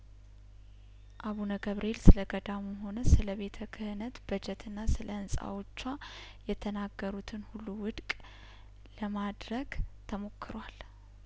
አቡነ ገብርኤል ስለገዳሙም ሆነ ስለቤተ ክህነት በጀትና ስለህንጻዎቿ የተናገሩትን ሁሉ ውድቅ ለማድረግ ተሞክሯል